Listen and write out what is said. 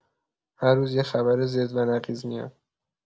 هر روز یه خبر ضد و نقیض میاد.